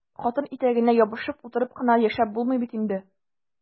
Хатын итәгенә ябышып утырып кына яшәп булмый бит инде!